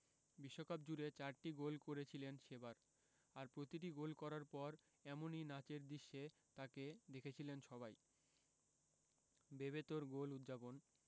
বিশ্বকাপজুড়ে চারটি গোল করেছিলেন সেবার আর প্রতিটি গোল করার পর এমনই নাচের দৃশ্যে তাঁকে দেখেছিলেন সবাই বেবেতোর গোল উদ্ যাপন